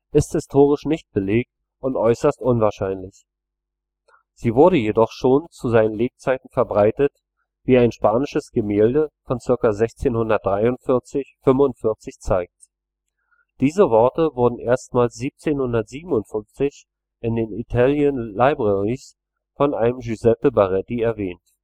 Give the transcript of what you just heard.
ist historisch nicht belegt und äußerst unwahrscheinlich. Sie wurde jedoch schon zu seinen Lebzeiten verbreitet, wie ein spanisches Gemälde von circa 1643 / 45 zeigt. Diese Worte wurden erstmals 1757 in den Italian Libraries von einem Giuseppe Baretti erwähnt